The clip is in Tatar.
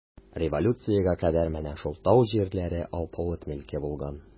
Революциягә кадәр менә шул тау җирләре алпавыт милке булган.